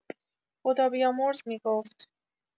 خدابیامرز می‌گفت